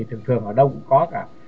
thường thường ở đâu cũng có cả